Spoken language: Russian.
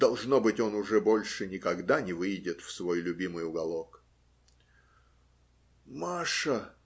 Должно быть, он уже больше никогда не выйдет в свой любимый уголок. - Маша!